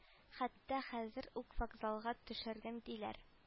Хәтта хәзер үк вокзалга төшәргә диләр